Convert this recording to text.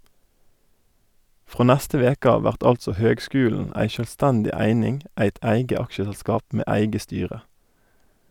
Frå neste veke av vert altså høgskulen ei sjølvstendig eining, eit eige aksjeselskap med eige styre.